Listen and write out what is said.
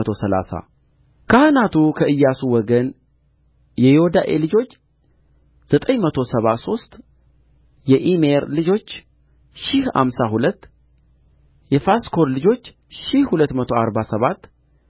መቶ ሠላሳ ካህናቱ ከኢያሱ ወገን የዮዳኤ ልጆች ዘጠኝ መቶ ሰባ ሦስት የኢሜር ልጆች ሺህ አምሳ ሁለት የፋስኮር ልጆች ሺህ ሁለት መቶ አርባ ሰባት